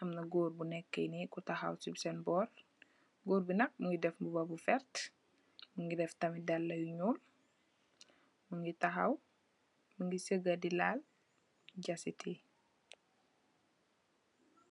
amna gorre bu nekeh nii ku takhaw cii sehn bohrre, gorre bii nak mungy def mbuba bu vert, mungy def tamit daalah yu njull, mungy takhaw, mungy sehgah dii lal jaasityi.